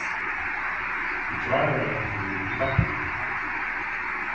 í gjár var eg ein túr í bankanum